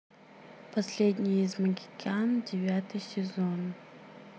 последний из магикян девятый сезон